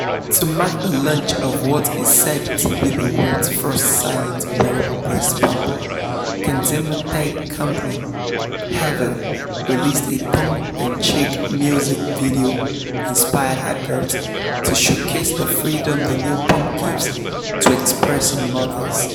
To mark the launch of what is said to be the "world's first silent wearable breast bump," consumer tech company Elvie released a tongue-in-cheek music video-inspired advert to showcase the freedom the new pump gives to expressing mothers.